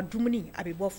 Dumuni a bɛ bɔ